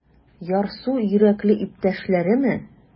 Ярсу йөрәкле иптәшләреме?